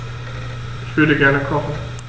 Ich würde gerne kochen.